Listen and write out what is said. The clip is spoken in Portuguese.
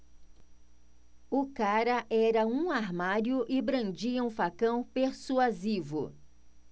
o cara era um armário e brandia um facão persuasivo